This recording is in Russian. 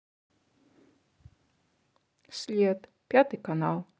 след пятый канал